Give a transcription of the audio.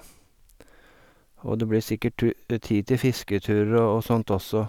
Og det blir sikkert tu tid til fisketurer å og sånt også.